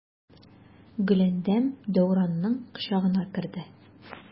Гөләндәм Дәүранның кочагына керде.